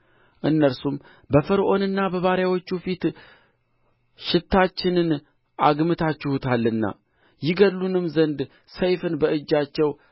እነርሱም በፈርዖንና በባሪያዎቹ ፊት ሽታችንን አግምታችሁታልና ይገድሉንም ዘንድ ሰይፍን በእጃቸው